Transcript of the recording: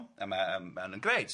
A ma' yym ma'n yn grêt.